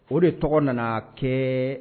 O de tɔgɔ nana kɛ